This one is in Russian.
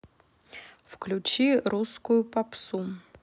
включи русскую попсу